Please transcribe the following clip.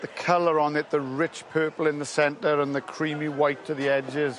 The colour on it, the rich purple in the centre and the creamy white to the edges.